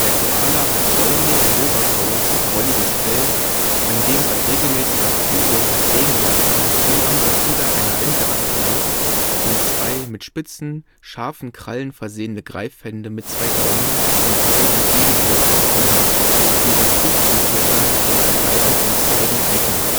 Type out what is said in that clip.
Koala hat bräunlich-silbergraues, wolliges Fell, an dem bei regelmäßiger Pflege Regenwasser wie am Gefieder einer Ente abperlt, und zwei mit spitzen, scharfen Krallen versehene Greifhände mit zwei Daumen und drei entgegengesetzten Fingern, die sich gut zum Klettern und Ergreifen von Zweigen eignen